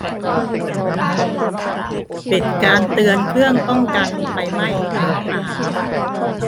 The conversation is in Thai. ปิดการเตือนเครื่องป้องกันไฟไหม้ในห้องอาหาร